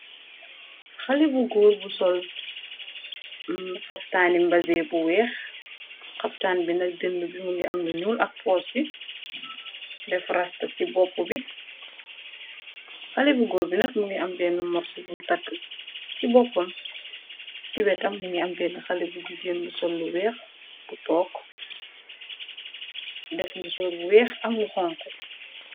Xale bu goor bu sol xaftan mbasee bu weex. Xaftaan bi nak dënd bi mungi am lu ñuul ak poos bi defa rastas ci bopp bi. Xali bu góor bi nak mu ngi ambeen morso bum takk ci boppam, ci wetam mungi ambeen xali bu jigeen bu sol lu weex bu took def mo soor bu weex am lu xonxu.